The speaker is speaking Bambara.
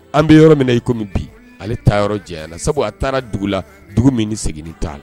An bɛ yɔrɔ min na i komi bi, ale taa yɔrɔ janya na, sabu a taara dugu la, dugu min ni segini t'a la.